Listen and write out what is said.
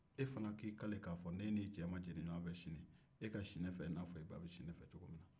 e fana k'i kale k'a fɔ n'e n'i cɛ ma jeni ɲwanfɛ sini e ka si ne fɛ i n'a fɔ i ba bɛ si ne fɛ cogo min na